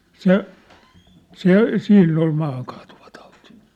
se se siinä oli maahankaatuvatauti